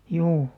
juu